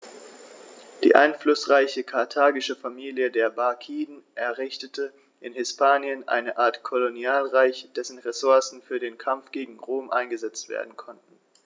Die einflussreiche karthagische Familie der Barkiden errichtete in Hispanien eine Art Kolonialreich, dessen Ressourcen für den Kampf gegen Rom eingesetzt werden konnten.